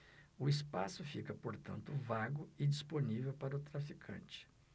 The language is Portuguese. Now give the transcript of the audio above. o espaço fica portanto vago e disponível para o traficante